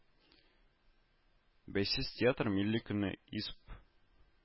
Бәйсез театр милли көне, исп